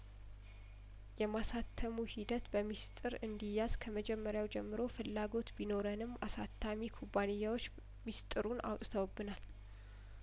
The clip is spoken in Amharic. የማሳተሙ ሂደት በሚስጥር እንዲያዝ ከመጀመሪያው ጀምሮ ፍላጐት ቢኖረንም አሳታሚ ኩባንያዎች ሚስጥሩን አውጥተውብናል